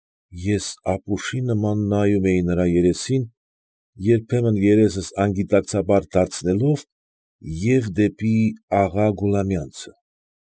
Ես ապուշի նման նայում էի նրա երեսին երբեմն երեսս անգիտակցաբար դարձնելով և դեպի աղա Գուլամյանցը։